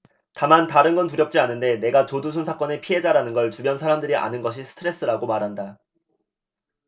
다만 다른 건 두렵지 않은데 내가 조두순 사건의 피해자라는 걸 주변 사람들이 아는 것이 스트레스라고 말한다